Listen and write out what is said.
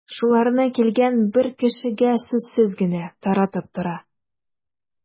Шуларны килгән бер кешегә сүзсез генә таратып тора.